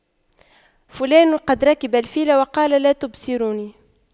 فلان قد ركب الفيل وقال لا تبصروني